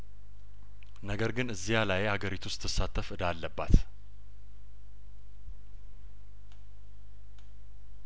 ነገር ግን እዚያ ላይ ሀገሪቱ ስትሳተፍ እዳ አለባት